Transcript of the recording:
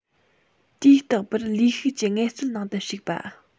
དུས རྟག པར ལུས ཤུགས ཀྱི ངལ རྩོལ ནང དུ ཞུགས པ